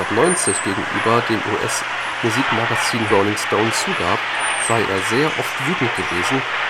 1990 gegenüber dem US-Musikmagazin Rolling Stone zugab, sei er sehr oft wütend gewesen